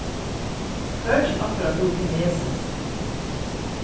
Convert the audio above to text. hvørgin okkara dugir kinesiskt